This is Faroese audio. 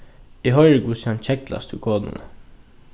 eg hoyri hvussu hann keglast við konuni